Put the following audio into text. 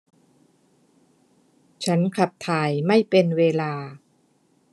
ฉันขับถ่ายไม่เป็นเวลา